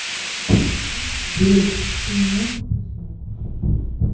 мальчик девочка ты не мог да смог